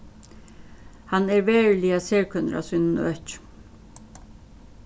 hann er veruliga serkønur á sínum øki